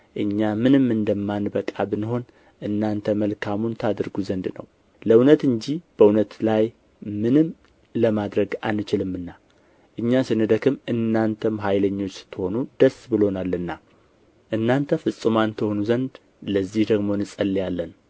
እኛ ምንም እንደማንበቃ ብንሆን እናንተ መልካሙን ታደርጉ ዘንድ ነው ለእውነት እንጂ በእውነት ላይ ምንም ለማድረግ አንችልምና እኛ ስንደክም እናንተም ኃይለኞች ስትሆኑ ደስ ብሎናልና እናንተ ፍጹማን ትሆኑ ዘንድ ለዚህ ደግሞ እንጸልያለን